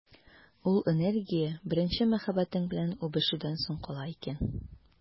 Ул энергия беренче мәхәббәтең белән үбешүдән соң кала икән.